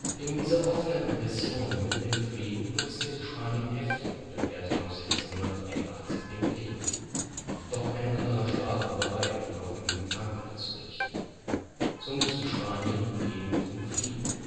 Gegen diese offenen Aggressionen mitten im Frieden protestierte Spanien heftig und erklärte noch 1683 den Krieg. Doch kein anderer Staat war bereit, die Waffen gegen Frankreich zu richten. So musste Spanien umgehend um Frieden